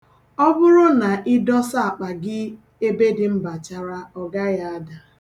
Ọ bụrụ na ịdọsa akpa gị ebe dị mbachara, ọ gaghị ada.